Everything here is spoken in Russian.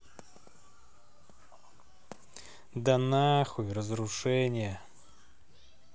да нахуй разрушение